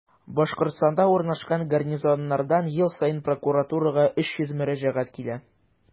Башкортстанда урнашкан гарнизоннардан ел саен прокуратурага 300 мөрәҗәгать килә.